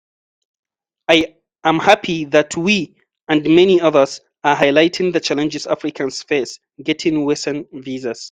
I am happy that we, and many others, are highlighting the challenges Africans face getting Western visas.